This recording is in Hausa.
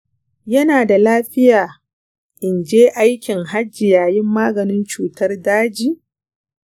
yana da lafiya in je aikin hajji yayin maganin cutar daji?